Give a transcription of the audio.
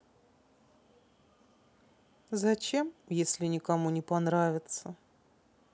зачем если никому не понравится